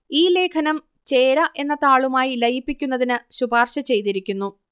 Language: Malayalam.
ഈ ലേഖനം ചേര എന്ന താളുമായി ലയിപ്പിക്കുന്നതിന് ശുപാർശ ചെയ്തിരിക്കുന്നു